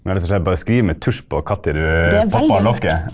rett og slett bare skriver med tusj på hvilken tid du poppa av lokket.